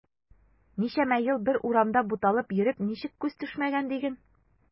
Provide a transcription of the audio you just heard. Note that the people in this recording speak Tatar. Ничәмә ел бер урамда буталып йөреп ничек күз төшмәгән диген.